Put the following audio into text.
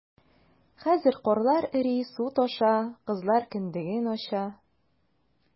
Хәзер карлар эри, су таша - кызлар кендеген ача...